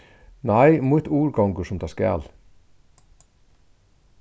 nei mítt ur gongur sum tað skal